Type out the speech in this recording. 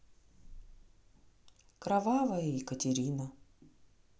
кровавая екатерина